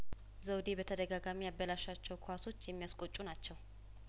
ዘውዴ በተደጋጋሚ ያበላሻቸው ኳሶች የሚያስቆጩ ናቸው